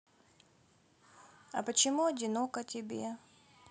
а почему одиноко тебе